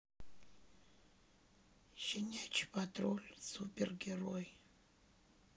щенячий патруль супер герой